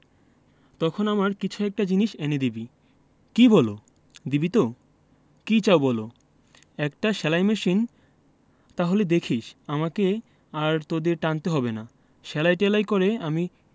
তখন আমার কিছু একটা জিনিস এনে দিবি কি বলো দিবি তো কি চাও বলো একটা সেলাই মেশিন তাহলে দেখিস আমাকে আর তোদের টানতে হবে না সেলাই টেলাই করে আমি